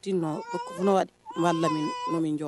Nɔn b'a lam n' min jɔ